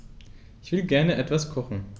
Ich will gerne etwas kochen.